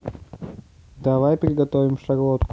давай приготовим шарлотку